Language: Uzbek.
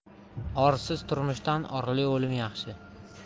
orsiz turmushdan orli o'lim yaxshi